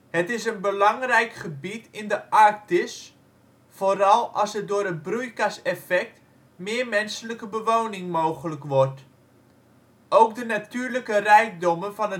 Het is een belangrijk gebied in de Arctis, vooral als er door het broeikaseffect meer menselijke bewoning mogelijk wordt. Ook de natuurlijke rijkdommen van